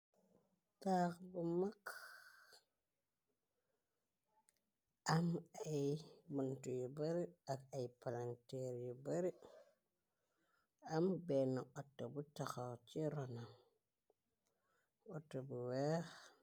Taax bu mag am ay bantu yu bare ak ay palanteer yu bare am benn auto bu taxaw ci rona wata bu weex.